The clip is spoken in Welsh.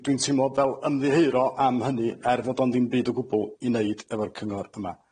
Dwi'n teimlo fel ymddiheuro am hynny, er fod o'n ddim byd o gwbwl i neud efo'r cyngor yma.